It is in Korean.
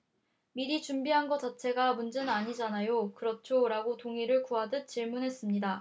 미리 준비한 거 자체가 문제는 아니잖아요 그렇죠 라고 동의를 구하듯 질문했습니다